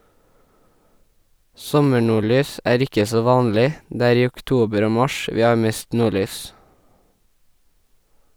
Sommernordlys er ikke så vanlig , det er i oktober og mars vi har mest nordlys.